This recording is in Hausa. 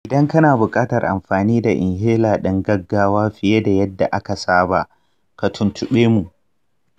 idan kana buƙatar amfani da inhaler ɗin gaggawa fiye da yadda aka saba, ka tuntube mu.